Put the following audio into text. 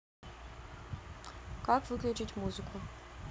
как выключить музыку